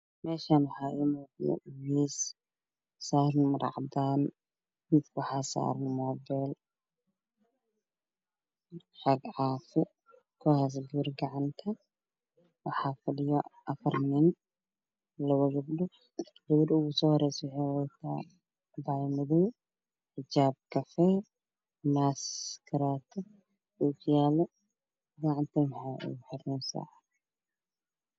Meeshaan waxaa ii muuqda miis saaran maro cadaan inta waxaa saaran mobile cag caafi kuhayso gacanta bir waxaa fadhiyo afar nin gabadha oogu soo horeyso waxay wadataa cabaayad madow xijaab kafee maaskaraati okiyalo gacantana waxaa oogu xiran saacad